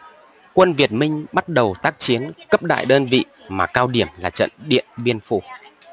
quân việt minh bắt đầu tác chiến cấp đại đơn vị mà cao điểm là trận điện biên phủ